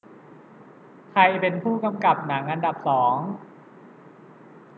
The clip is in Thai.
ใครเป็นผู้กำกับหนังอันดับสอง